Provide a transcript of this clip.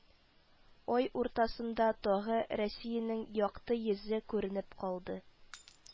Ай уртасында тагы Рәниянең якты йөзе күренеп калды